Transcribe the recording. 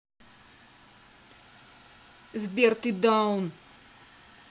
сбер ты даун